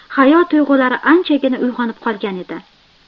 hayo tuyg'ulari anchagina uyg'onib qolgan edi